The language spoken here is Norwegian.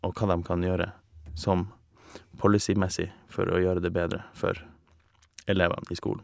Og hva dem kan gjøre som policy-messig for å gjøre det bedre for elevene i skolen.